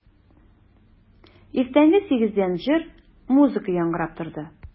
Иртәнге сигездән җыр, музыка яңгырап торды.